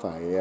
phải